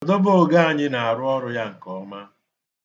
Odebooge anyị na-arụ ọrụ ya nke ọma